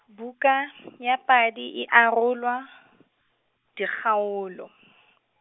Buka ya padi e arolwa, dikgaolo.